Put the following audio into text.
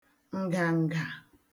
ǹgàǹgà